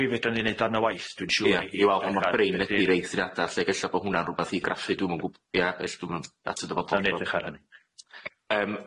Mi fedra ni neud darn o waith dwi'n siwr i wedl be di'r eithriada lly, ella bod hwnna'n rwbath i graffu, ella- dwm yn- ia gw- at y dyfodol. Nawn ni edrach ar hyny.